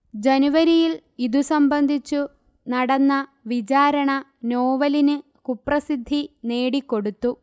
ജനുവരിയിൽ ഇതുസംബന്ധിച്ചു നടന്ന വിചാരണ നോവലിന് കുപ്രസിദ്ധി നേടിക്കൊടുത്തു